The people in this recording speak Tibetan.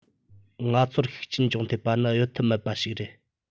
ང ཚོར ཤུགས རྐྱེན ཅུང ཐེབས པ ནི གཡོལ ཐབས མེད པ ཞིག རེད